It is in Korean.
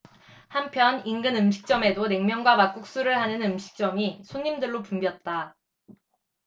한편 인근 음식점에도 냉면과 막국수를 하는 음식점이 손님들로 붐볐다